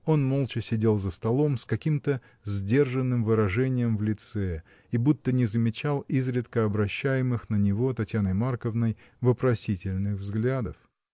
Он молча сидел за столом, с каким-то сдержанным выражением в лице, и будто не замечал изредка обращаемых на него Татьяной Марковной вопросительных взглядов.